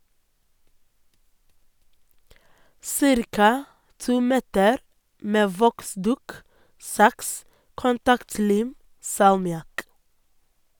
Cirka to meter med voksduk, saks, kontaktlim, salmiakk.